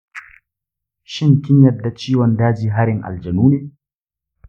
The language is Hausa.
shin kin yadda ciwon daji harin aljanu ne?